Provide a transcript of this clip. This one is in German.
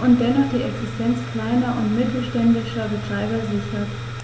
und dennoch die Existenz kleiner und mittelständischer Betreiber sichert.